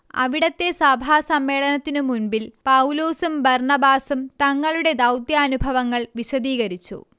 അവിടത്തെ സഭാസമ്മേളനത്തിന് മുൻപിൽ പൗലോസും ബർണ്ണബാസും തങ്ങളുടെ ദൗത്യാനുഭവങ്ങൾ വിശദീകരിച്ചു